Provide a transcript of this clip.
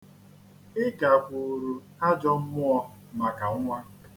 Ị gakwuuru ajọ mmụọ maka nnwa.